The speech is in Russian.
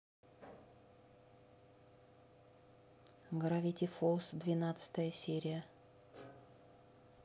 гравити фолз двенадцатая серия